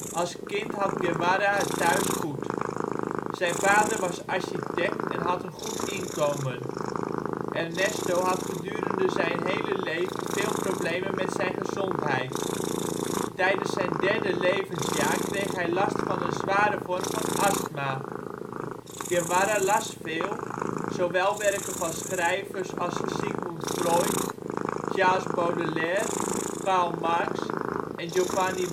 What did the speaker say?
Als kind had Guevara het thuis goed. Zijn vader was architect en had een goed inkomen. Ernesto had gedurende zijn hele leven veel problemen met zijn gezondheid. Tijdens zijn derde levensjaar kreeg hij last van een zware vorm van astma. Guevara las veel, zowel werken van schrijvers als Sigmund Freud, Charles Baudelaire, Karl Marx en Giovanni Boccaccio